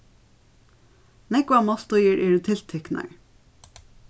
nógvar máltíðir eru tiltiknar